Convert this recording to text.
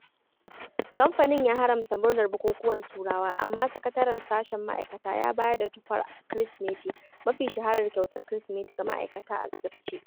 Kamfanin ya haramta murnar bukukuwan Turawa. Amma sakataren sashen ma'aikata ya bayar da tufar Kirsimeti [mafi shaharar kyautar Kirsimeti] ga ma'aikata a asirce.